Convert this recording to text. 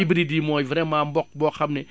hybride yi mooy vraiment mboq boo xam ne